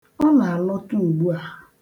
Ọ na-alọta ugbu a.